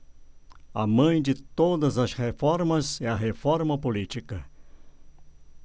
a mãe de todas as reformas é a reforma política